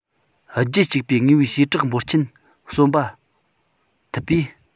རྒྱུད གཅིག པའི དངོས པོའི བྱེ བྲག འབོར ཆེན གསོན པ ཐུབ པས